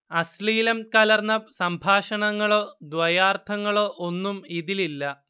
അശ്ലീലം കലർന്ന സംഭാഷണങ്ങളോ ദ്വയാർത്ഥങ്ങളോ ഒന്നും ഇതിലില്ല